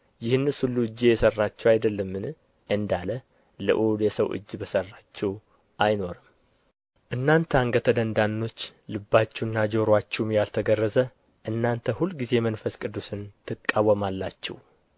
ይህንስ ሁሉ እጄ የሠራችው አይደለምን እንዳለ ልዑል የሰው እጅ በሠራችው አይኖርም እናንተ አንገተ ደንዳኖች ልባችሁና ጆሮአችሁም ያልተገረዘ እናንተ ሁልጊዜ መንፈስ ቅዱስን ትቃወማላችሁ